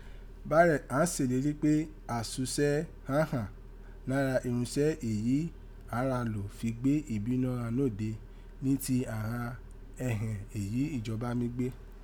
Bárẹ̀ án seleri pe àìseuṣẹ ghan gha nara irunsẹ́ èyí àghan ra lò fi gbé ibinọ́ ghan nóde ni ti àghan ẹhẹ̀ èyí ijọba mi gbé.